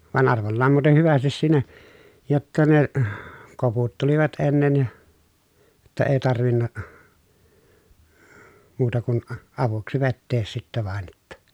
vaan arvollaan muuten hyvästi siinä jotta ne koputtelivat ennen ja jotta ei tarvinnut muuta kuin avuksi vetää sitten vain että